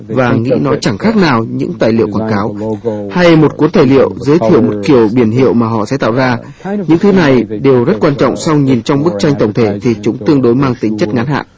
và nghĩ nó chẳng khác nào những tài liệu quảng cáo hay một cuốn tài liệu giới thiệu một kiểu biển hiệu mà họ sẽ tạo ra những thứ này đều rất quan trọng xong nhìn trong bức tranh tổng thể thì chúng tương đối mang tính chất ngắn hạn